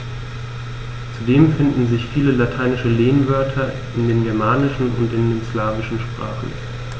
Zudem finden sich viele lateinische Lehnwörter in den germanischen und den slawischen Sprachen.